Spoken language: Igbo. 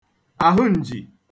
àhụǹji